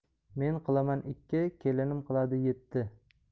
men qilaman ikki kelinim qiladi yetti